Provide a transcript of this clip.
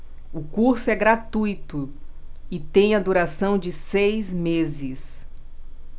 o curso é gratuito e tem a duração de seis meses